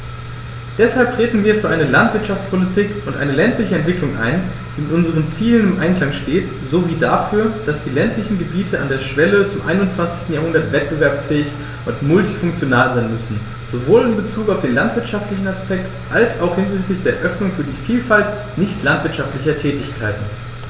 Deshalb treten wir für eine Landwirtschaftspolitik und eine ländliche Entwicklung ein, die mit unseren Zielen im Einklang steht, sowie dafür, dass die ländlichen Gebiete an der Schwelle zum 21. Jahrhundert wettbewerbsfähig und multifunktional sein müssen, sowohl in Bezug auf den landwirtschaftlichen Aspekt als auch hinsichtlich der Öffnung für die Vielfalt nicht landwirtschaftlicher Tätigkeiten.